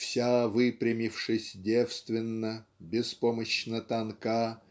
Вся выпрямившись девственно беспомощно тонка